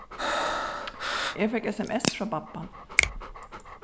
eg fekk sms frá babba